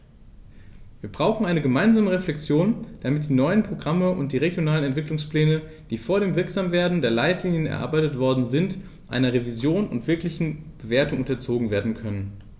Wir brauchen eine gemeinsame Reflexion, damit die neuen Programme und die regionalen Entwicklungspläne, die vor dem Wirksamwerden der Leitlinien erarbeitet worden sind, einer Revision und wirklichen Bewertung unterzogen werden können.